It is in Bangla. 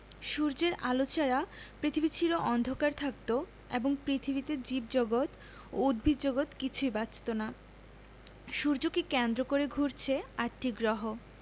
সূর্যের আলো ছাড়া পৃথিবী চির অন্ধকার থাকত এবং পৃথিবীতে জীবজগত ও উদ্ভিদজগৎ কিছুই বাঁচত না সূর্যকে কেন্দ্র করে ঘুরছে আটটি গ্রহ